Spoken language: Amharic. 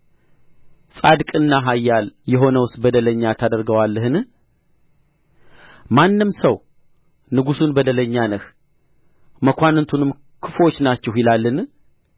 ጻድቅና ኃያል የሆነውስ በደለኛ ታደርገዋለህን ማንም ሰው ንጉሡን በደለኛ ነህ መኳንንቱንም ክፉዎች ናችሁ ይላልን